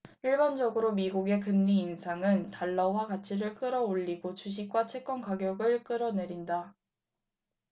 일반적으로 미국의 금리 인상은 달러화 가치를 끌어올리고 주식과 채권 가격은 끌어내린다